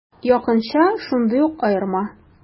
Якынча шундый ук аерма.